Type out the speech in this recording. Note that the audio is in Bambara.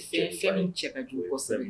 E fɛn ni cɛ don fɔ sɛ